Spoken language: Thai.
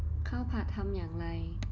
ข้าวผัดทำอย่างไร